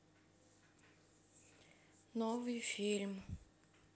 новый фильм